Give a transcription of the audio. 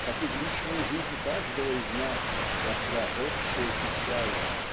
как и в личную жизнь каждого из нас вошла общая печаль